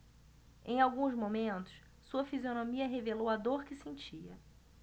em alguns momentos sua fisionomia revelou a dor que sentia